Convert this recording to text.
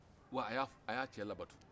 wa a y'a-a y'a cɛ labato